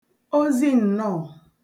ozinnọọ̀